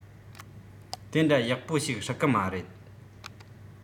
དེ འདྲ ཡག པོ ཞིག སྲིད གི མ རེད